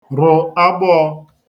rụ̀ agbọọ̄